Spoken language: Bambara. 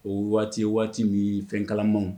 O waati waati min fɛn kalamaw